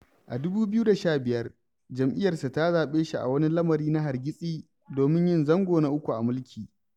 A 2015, jam'iyyarsa ta zaɓe shi a wani lamari na hargitsi domin yin zango na uku a mulki.